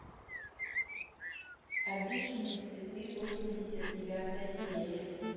обиженные цветы восемьдесят девятая серия